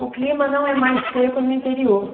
o clima não é mais seco no interior